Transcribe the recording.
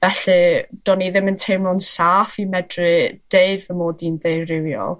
felly do'n i ddim yn teimlo'n saff i medru deud fy mod i'n ddeurywiol.